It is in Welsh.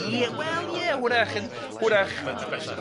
I- wel ie w'rach yn w'rach by- yy bellach.